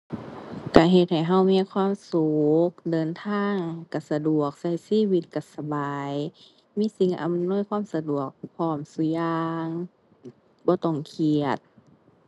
ก็เฮ็ดให้ก็มีความสุข เดินทางก็สะดวก ก็ชีวิตก็สบาย มีสิ่งอำนวยความสะดวกพร้อมซุอย่าง บ่ต้องเครียด